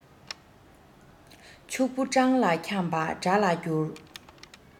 ཕྱུག པོ སྤྲང ལ འཁྱམས པ དགྲ ལ འགྱུར